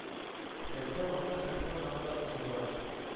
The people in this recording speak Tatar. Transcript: Кәлтә Гата хәлфә тагы да кызарыбрак,